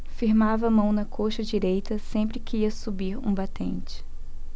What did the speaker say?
firmava a mão na coxa direita sempre que ia subir um batente